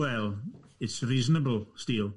Well, it's reasonable steel.